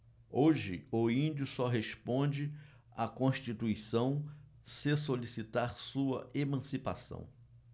hoje o índio só responde à constituição se solicitar sua emancipação